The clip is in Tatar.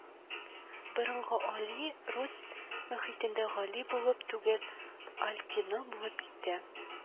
Борынгы “Али” рус мохитендә Гали булып түгел, “Алькино” булып китә